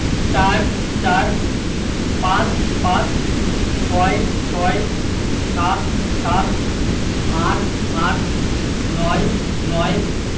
৪ – চার ৫ – পাঁচ ৬ - ছয় ৭ - সাত ৮ - আট ৯ - নয়